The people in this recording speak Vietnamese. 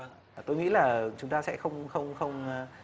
tôi nghĩ là chúng ta sẽ không không không a